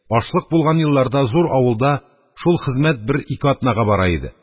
Ашлык булган елларда зур авылда шул хезмәт бер-ике атнага бара иде.